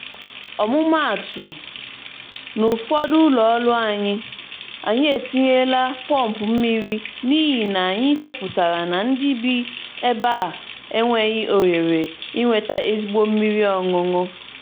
Ọmụmaatụ, n’ụfọdụ ụlọọrụ anyị, anyị etinyela pọmpụ mmiri n’ịhị na anyị chọpụtara na ndị bi ebe a enweghị ohere inweta ezigbo mmiri ọṅụṅụ.